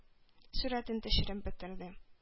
Сурәтен төшереп бетерде...